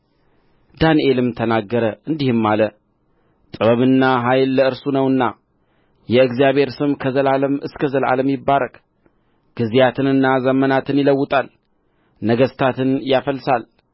ዳንኤልም ተናገረ እንዲህም አለ ጥበብና ኃይል ለእርሱ ነውና የእግዚአብሔር ስም ከዘላለም እስከ ዘላለም ይባረክ ጊዜያትንና ዘመናትን ይለውጣል ነገሥታትን ያፈልሳል